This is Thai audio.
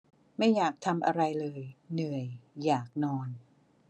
ไม่อยากทำอะไรเลยเหนื่อยอยากนอน